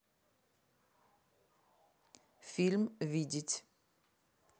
фильм видеть